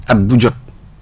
at bu jot